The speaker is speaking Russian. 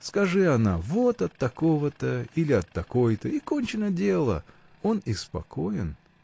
Скажи она, вот от такого-то или от такой-то, и кончено дело, он и спокоен.